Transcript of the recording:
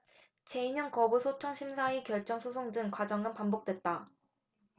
재임용 거부 소청 심사위 결정 소송 등 과정은 반복됐다